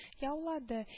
Яулады